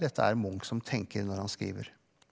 dette er Munch som tenker når han skriver.